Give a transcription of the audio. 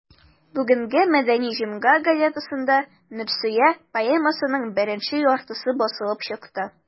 Бүгенге «Мәдәни җомга» газетасында «Нурсөя» поэмасының беренче яртысы басылып чыкты.